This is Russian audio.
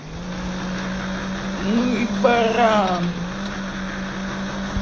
ну и баран